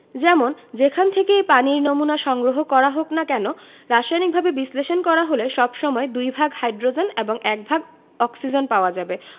যেমন যেখান থেকেই পানির নমুনা সংগ্রহ করা হোক না কেন রাসায়নিকভাবে বিশ্লেষণ করা হলে সব সময় দুই ভাগ হাইড্রোজেন এবং এক ভাগ অক্সিজেন পাওয়া যাবে